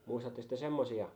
muistattekos te semmoisia